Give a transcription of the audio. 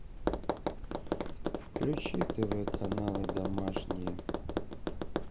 включи тв каналы домашние